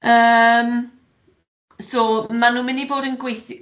Yym so man nhw'n mynd i fod yn gweith- cydweithio